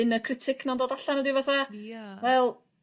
inner critic 'na'n ddo allan a ryw fatha... Ia. ..wel